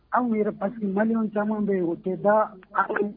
Anw yɛrɛ pa mali caman bɛ yen oo tɛ da fa